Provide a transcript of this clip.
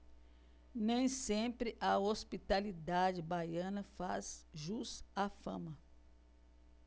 nem sempre a hospitalidade baiana faz jus à fama